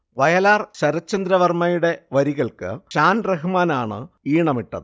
വയലാർ ശരത്ചന്ദ്ര വർമയുടെ വരികൾക്ക് ഷാൻ റഹ്മാനാണ് ഈണമിട്ടത്